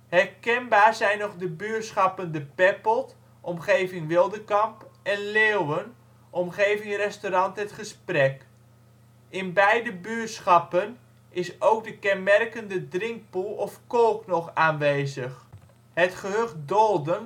Herkenbaar zijn nog de buurschappen De Peppeld (omgeving Wildekamp) en Leeuwen (omgeving restaurant Het Gesprek); in beide buurschappen is ook de kenmerkende drinkpoel of kolk nog aanwezig. Het gehucht Dolder